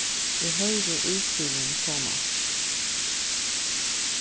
eg hoyri ísbilin koma